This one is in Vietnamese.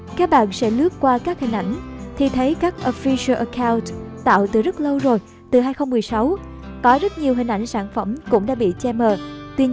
các bạn sẽ lướt qua các hình ảnh thì thấy các official account tạo từ rất lâu rồi từ năm có rất nhiều hình ảnh sản phẩm cũng đã bị che mờ